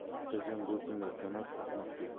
xotirjam bo'lsinlar janob ahmadbek